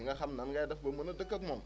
di nga xam nan ngay def ba mën a dëkk ak moom